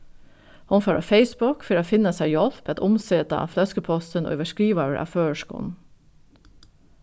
hon fór á facebook fyri at finna sær hjálp at umseta fløskupostin ið var skrivaður á føroyskum